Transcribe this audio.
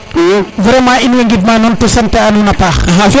vraiment in way ngid nuun to sante a nuun a paax